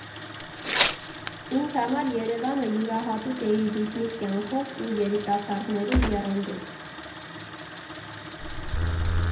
Ինձ համար Երևանը յուրահատուկ է իր ռիթմիկ կյանքով ու երիտասարդների եռանդով։